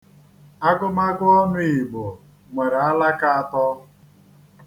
Agụmagụ ọnụ Igbo nwere alaka atọ.